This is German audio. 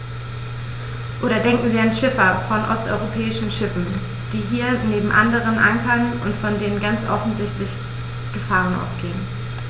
Oder denken Sie an Schiffer von osteuropäischen Schiffen, die hier neben anderen ankern und von denen ganz offensichtlich Gefahren ausgehen.